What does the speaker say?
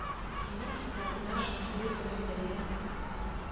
Минем хезмәтемә шундый олы бәя